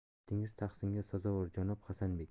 niyatingiz tahsinga sazovor janob hasanbek